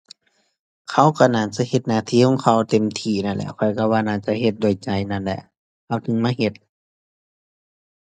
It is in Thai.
เขาก็น่าจะเฮ็ดหน้าที่ของเขาเต็มที่น่ะแหล้ว ข้อยก็ว่าน่าจะเฮ็ดด้วยใจนั่นแหละ เขาถึงมาเฮ็ด